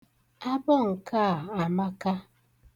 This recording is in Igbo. Abọ nke a amaka.